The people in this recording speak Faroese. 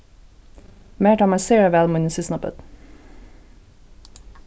mær dámar sera væl míni systkinabørn